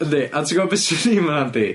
Yndi, a ti'n gwbo be' sy ddim yn handi?